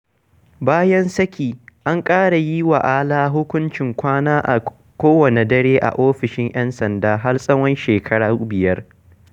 Bayan saki, an ƙara yi wa Alaa hukuncin kwana a kowane dare a ofishin 'yan sanda har tsawon "shekaru biyar".